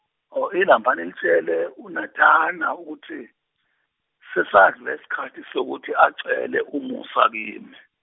oh ilambani nitshele uNatana ukuthi sesedlula isikhathi sokuthi acele umusa kimi.